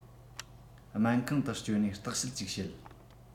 སྨན ཁང དུ བསྐྱོད ནས བརྟག དཔྱད ཅིག བྱེད